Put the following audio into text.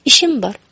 ishim bor